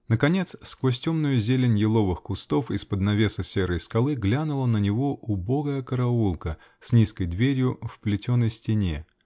Наконец, сквозь темную зелень еловых кустов, из-под навеса серой скалы, глянула на него убогая караулка, с низкой дверью в плетеной стене.